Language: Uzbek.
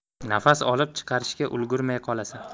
nafas olib chiqarishga ulgurmay qolasan